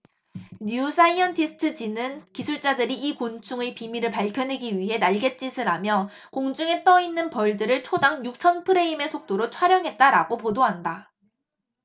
뉴 사이언티스트 지는 기술자들이 이 곤충의 비밀을 밝혀내기 위해 날갯짓을 하며 공중에 떠 있는 벌들을 초당 육천 프레임의 속도로 촬영했다라고 보도한다